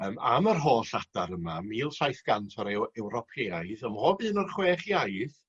yym am yr holl adar yma mil saith gant rai Ew- Ewropeaidd ym mob un o'r chwech iaith